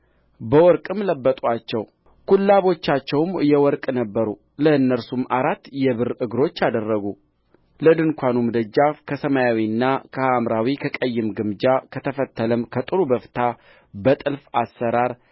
በወርቅም ለበጡአቸው ኩላቦቻቸው የወርቅ ነበሩ ለእነርሱም አራት የብር እግሮች አደረጉ ለድንኳኑም ደጃፍ ከሰማያዊና ከሐምራዊ ከቀይም ግምጃ ከተፈተለም ከጥሩ በፍታ በጥልፍ አሠራር